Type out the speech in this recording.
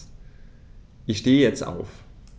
Ich stehe jetzt auf.